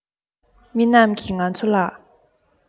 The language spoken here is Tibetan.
མི རྣམས ཀྱིས ང ཚོ ལ